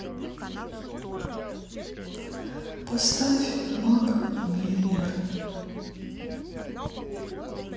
поставь мак миллер